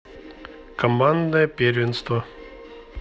командное первенство